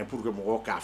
N pur'